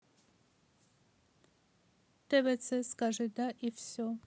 твц скажи да и все